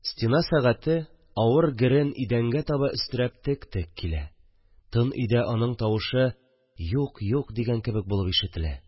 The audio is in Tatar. Стена сәгате авыр герен идәнгә таба өстерәп тек-тек килә, тын өйдә аның тавышы «юк-юк» дигән кебек булып ишетелә